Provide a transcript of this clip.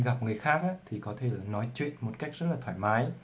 khi gặp người khác có thể nói chuyện một cách thoải mái